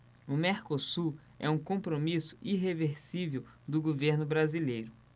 o mercosul é um compromisso irreversível do governo brasileiro